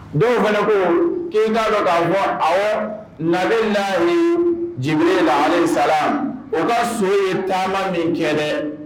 Dɔw fana ko kin t'a dɔn k'a bɔ a na na jeli la ale sara o ka so ye taama ni kɛ dɛ